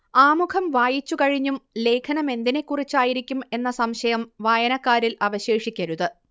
ആമുഖം വായിച്ചുകഴിഞ്ഞും ലേഖനമെന്തിനെക്കുറിച്ചായിരിക്കും എന്ന സംശയം വായനക്കാരിൽ അവശേഷിക്കരുത്